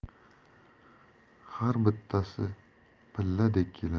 har bittasi pilladek keladi